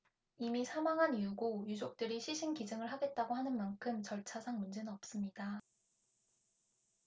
이미 사망한 이후고 유족들이 시신기증을 하겠다고 하는 만큼 절차상 문제는 없습니다